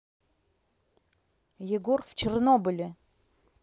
егор в чернобыле